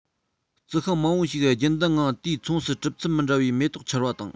རྩི ཤིང མང པོ ཞིག རྒྱུན ལྡན ངང དུས མཚུངས སུ གྲུབ ཚུལ མི འདྲ བའི མེ ཏོག འཆར བ དང